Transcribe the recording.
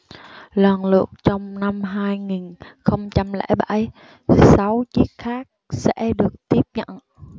lần lượt trong năm hai nghìn không trăm lẻ bảy sáu chiếc khác sẽ được tiếp nhận